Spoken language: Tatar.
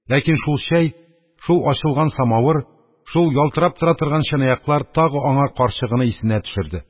Ләкин шул чәй, шул ачылган самавыр, шул ялтырап тора торган чынаяклар тагы аңар карчыгыны исенә төшерде.